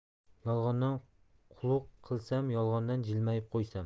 yolg'ondan qulluq qilsam yolg'ondan jilmayib qo'ysam